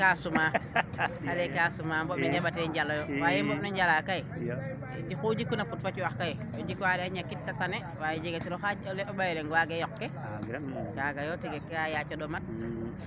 kaa sumaa a le kaa sumaa ɓoɓ ne njambate njaloyo ndaa ye ɓoɓ ne njala kay oxu jikuna put fa a cu'ax kay o jikwaale a ñakit te tane ndaa jega tiro xaa o ɓayo leŋ waaga te yok ke kaaga yo tiya kaa yaaco ɗomat